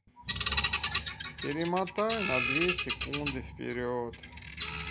перемотай на две секунды вперед